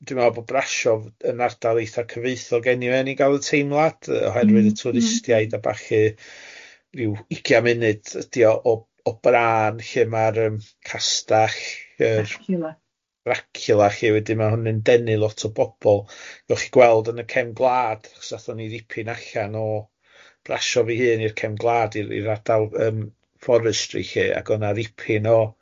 Dwi'n meddwl bod Brasov yn ardal eitha cyfoethog eniwe i gael y teimlad oherwydd y... M-hm. ...twristiaid a ballu yy ryw ugian munud ydy o o o Bran lle ma'r yym castell yy... Dracula. ...Dracula lle wedyn ma' hwn yn denu lot o bobl. O chi'n gweld yn y cefn gwlad 'chos atho ni ddipyn allan o Brasov i hun i cefn gwlad i'r adral forestry lly a o na ddipyn o...